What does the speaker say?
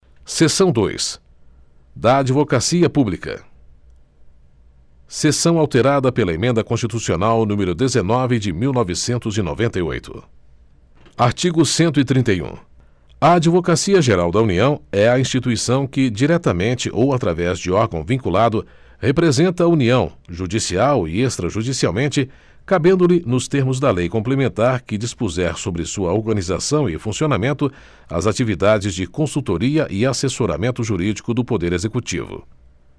seção dois da advocacia pública seção alterada pela emenda constitucional número dezenove de mil novecentos e noventa e oito artigo cento e trinta e um a advocacia geral da união é a instituição que diretamente ou através de órgão vinculado representa a união judicial e extrajudicialmente cabendo lhe nos termos da lei complementar que dispuser sobre sua organização e funcionamento as atividades de consultoria e assessoramento jurídico do poder executivo